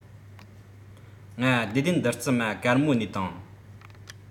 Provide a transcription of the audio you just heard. ང བདེ ལྡན བདུད རྩི མ དཀར མོ ནས དང